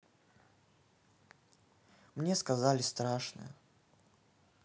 мне сказали страшная